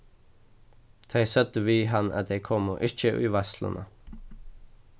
tey søgdu við hann at tey komu ikki í veitsluna